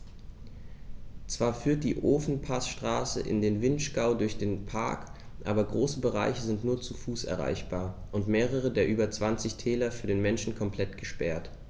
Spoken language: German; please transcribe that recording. Zwar führt die Ofenpassstraße in den Vinschgau durch den Park, aber große Bereiche sind nur zu Fuß erreichbar und mehrere der über 20 Täler für den Menschen komplett gesperrt.